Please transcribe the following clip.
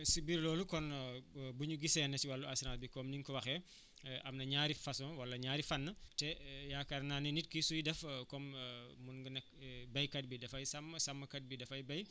si biir loolu kon bu ñu gisee ne si wàllu assurance bi comme ni nga ko waxee am na ñaari façon wala ñaari fànn te yaakaar naa ni nit ki suy def comme béykat bi dafay sàmm sàmmkat bi dafay béy